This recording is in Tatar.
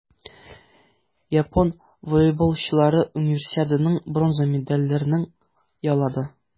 Япон волейболчылары Универсиаданың бронза медальләрен яулады.